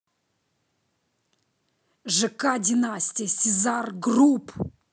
жк династия sezar group